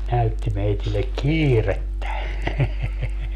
näytti meille kiirettä